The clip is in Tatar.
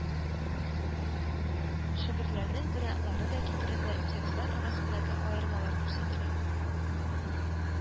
Шигырьләрнең вариантлары да китерелә, текстлар арасындагы аермалар күрсәтелә;